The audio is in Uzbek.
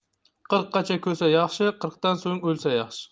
qirqqacha ko'sa yaxshi qirqdan so'ng o'lsa yaxshi